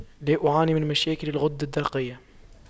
لا أعاني من مشاكل الغدة الدرقية